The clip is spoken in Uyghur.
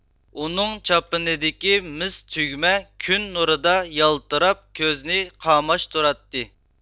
ئۇنىڭ چاپىنىدىكى مىس تۈگمە كۈن نۇرىدا يالتىراپ كۆزنى قاماشتۇراتتى